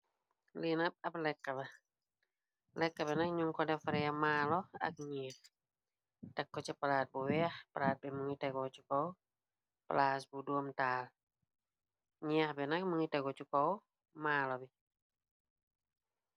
Li nak ab lekka la, lekk bi nag ñun ko defaree maalo ak neeh tek ko ci palaate bu weeh. Palaat bi mungi tego ci kow palaas bu doomtaal ñeeh bi nag mungi tegoo ci kaw maalo bi.